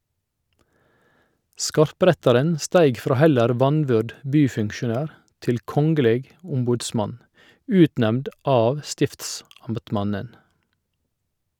Skarprettaren steig frå heller vanvyrd byfunksjonær til kongeleg ombodsmann, utnemnd av stiftsamtmannen.